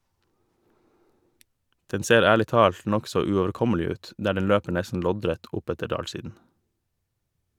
Den ser ærlig talt nokså uoverkommelig ut, der den løper nesten loddrett oppetter dalsiden.